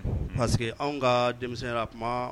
Paseke anw ka denmisɛn kuma